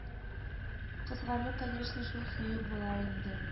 Кызгану конешно шул сөю була инде